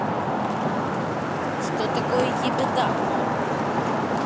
что такое ебеда